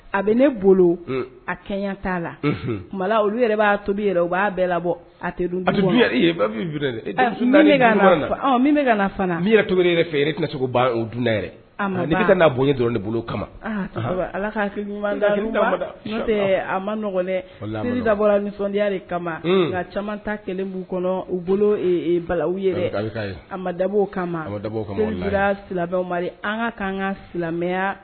A bɛ ne bolo a kɛ t'a la olu yɛrɛ'a to u b'a bɛɛ la to fɛ dunda' bo dɔrɔn bolo kama ala ka a ma nɔgɔdiya de kama ka caman ta kelen b kɔnɔ u bolo bala dabo mari an ka ka ka silamɛya